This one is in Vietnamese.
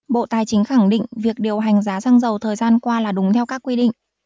bộ tài chính khẳng định việc điều hành giá xăng dầu thời gian qua là đúng theo các quy định